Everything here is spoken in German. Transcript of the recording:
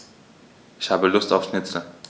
Ich habe Lust auf Schnitzel.